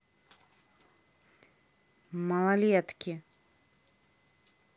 малолетки